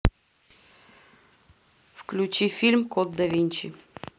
включи фильм код давинчи